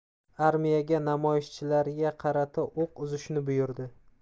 armiyaga namoyishchilarga qarata o'q uzishni buyurdi